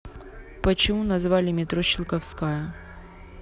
почему назвали метро щелковская